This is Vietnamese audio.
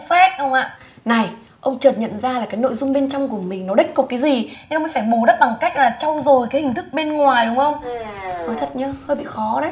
phét ông ạ này ông chợt nhận ra cái nội dung bên trong của mình nó đếch có cái gì nên ông phải bù đắp bằng cách trau dồi cái hình thức bên ngoài đúng không nói thật nhá hơi bị khó đấy